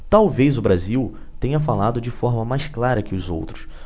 talvez o brasil tenha falado de forma mais clara que os outros